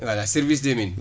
voilà service des mines